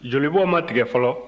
jolibɔ ma tigɛ fɔlɔ